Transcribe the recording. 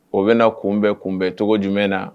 O bɛ na kunbɛn kunbɛn cogo jumɛn na?